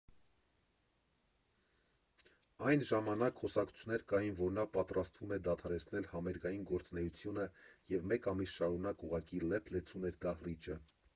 Այն ժամանակ խոսակցություններ կային, որ նա պատրաստվում է դադարեցնել համերգային գործունեությունը, և մեկ ամիս շարունակ ուղղակի լեփ֊լեցուն էր դահլիճը։